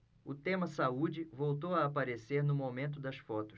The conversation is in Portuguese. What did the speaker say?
o tema saúde voltou a aparecer no momento das fotos